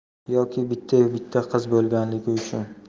yoki bittayu bitta qiz bo'lganligi uchun